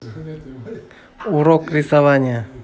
урок рисования